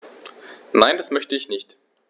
Nein, das möchte ich nicht.